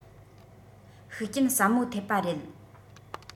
ཤུགས རྐྱེན ཟབ མོ ཐེབས པ རེད